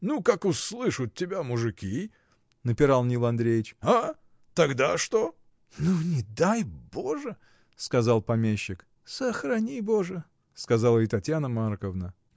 — Ну, как услышат тебя мужики? — напирал Нил Андреич, — а? тогда что? — Ну, не дай Боже! — сказал помещик. — Сохрани Боже! — сказала и Татьяна Марковна.